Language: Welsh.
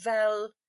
fel